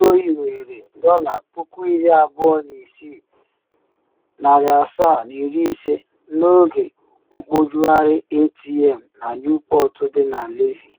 Ndị oyi were $26,750 n’oge mkpojugharị ATM na Newport dị na Levee